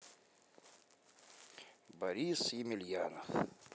борис емельянов